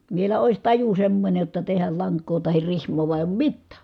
vielä olisi taju semmoinen jotta tehdä lankaa tai rihmaa vaan ei ole mitään